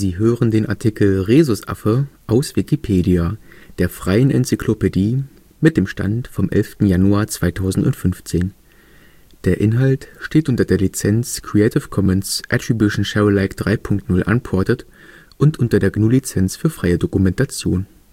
hören den Artikel Rhesusaffe, aus Wikipedia, der freien Enzyklopädie. Mit dem Stand vom Der Inhalt steht unter der Lizenz Creative Commons Attribution Share Alike 3 Punkt 0 Unported und unter der GNU Lizenz für freie Dokumentation